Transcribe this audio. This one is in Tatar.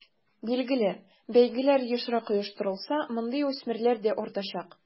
Билгеле, бәйгеләр ешрак оештырылса, мондый үсмерләр дә артачак.